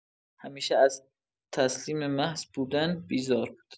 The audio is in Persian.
همیشه از تسلیم محض بودن بیزار بود.